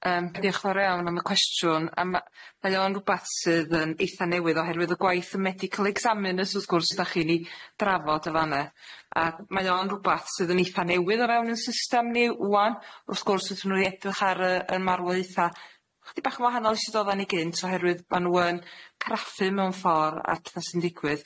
Yym diolch yn fawr iawn am y cwestiwn a ma' mae o'n rwbath sydd yn eitha newydd oherwydd y gwaith y medical examiners wrth gwrs dach chi'n i drafod yn fan 'na a mae o'n rwbath sydd yn eitha newydd o ran yn system ni ŵan wrth gwrs wrthyn nw i edrych ar yy y marwolaetha chydig bach yn wahanol i sud oddan ni gynt oherwydd ma' nw yn craffu mewn ffor at be sy'n digwydd.